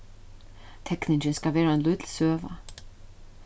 tekningin skal vera ein lítil søga